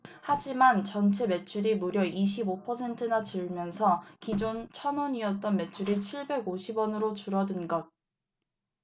하지만 전체 매출이 무려 이십 오 퍼센트나 줄면서 기존 천 원이었던 매출이 칠백 오십 원으로 줄어든 것